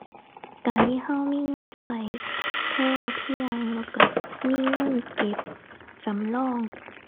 การที่เรามีเงินเราพอเพียง แล้วเรามีเงินเก็บสำรอง